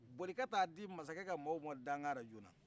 boli i ka ta'a di mansakɛ ka mɔgɔw ma joona